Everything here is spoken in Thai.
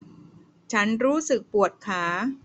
ฉันรู้สึกปวดขา